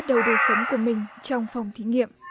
đâu đời sống của mình trong phòng thí nghiệm